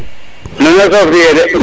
nuun way took tiye de